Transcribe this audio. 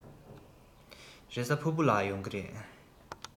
རེས གཟའ ཕུར བུ ལ ཡོང གི རེད